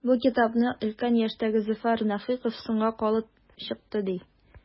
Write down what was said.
Бу китапны өлкән яшьтәге Зөфәр Нәфыйков “соңга калып” чыкты, ди.